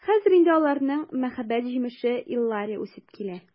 Хәзер инде аларның мәхәббәт җимеше Эллари үсеп килә.